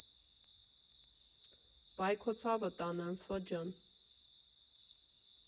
Վայ քո ցավը տանեմ, Ֆը ջան։